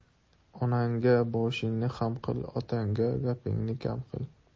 onangga boshingni xam qil otangga gapingni kam qil